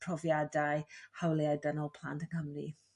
profiadau hawliau dynol plant yng Nghymru.